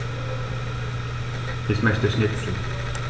Ich möchte Schnitzel.